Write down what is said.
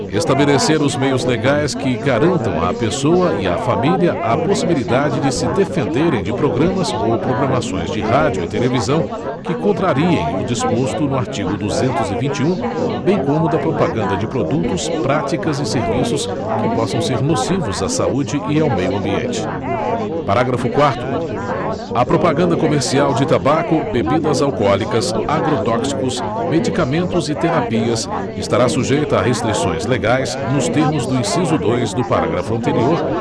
estabelecer os meios legais que garantam à pessoa e à família a possibilidade de se defenderem de programas ou programações de rádio e televisão que contrariem o disposto no artigo duzentos e vinte e um bem como da propaganda de produtos práticas e serviços que possam ser nocivos à saúde e ao meio ambiente parágrafo quarto a propaganda comercial de tabaco bebidas alcoólicas agrotóxicos medicamentos e terapias estará sujeita a restrições legais nos termos do inciso dois do parágrafo anterior